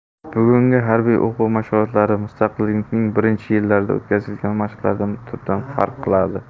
bugungi harbiy o'quv mashg'ulotlari mustaqillikning birinchi yillarida o'tkazilgan mashqlardan tubdan farq qiladi